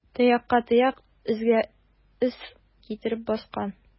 Тоякка тояк, эзгә эз китереп баскан.